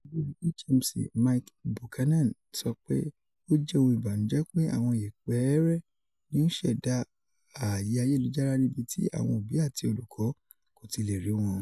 Olori HMC Mike Buchanan sọ pe: “O jẹ ohun ibanujẹ pe awọn ipẹẹrẹ ni o n ṣẹda aaye ayelujara nibi ti awọn obi ati olukọ koti le ri wọn.”